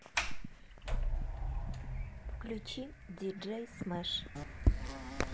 включи диджей смэш